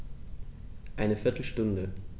Eine viertel Stunde